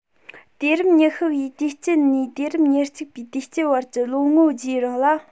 དུས རབས ཉི ཤུ པའི དུས དཀྱིལ ནས དུས རབས ཉེར གཅིག པའི དུས དཀྱིལ བར གྱི ལོ ངོ བརྒྱའི རིང ལ